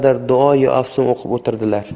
qadar duoyi afsun o'qib o'tirdilar